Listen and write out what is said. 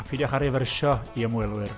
A peidiwch â rifyrso i ymwelwyr.